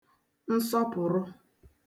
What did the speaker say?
nsọpụ̀rụ̀